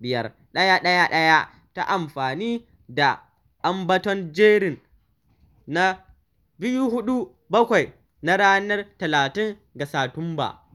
111 ta amfani da ambaton jeri na 247 na ranar 30 ga Satumba.